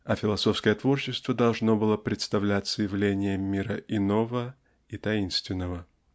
а философское творчество должно было представляться явлением мира иного и таинственного.